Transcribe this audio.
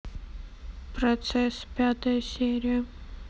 процесс пятая серия